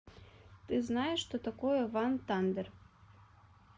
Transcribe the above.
ты знаешь что такое ван тандер